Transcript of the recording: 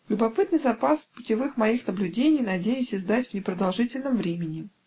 любопытный запас путевых моих наблюдений надеюсь издать в непродолжительном времени